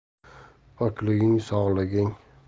pokliging sog'liging